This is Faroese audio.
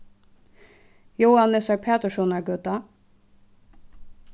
jóannesar paturssonar gøta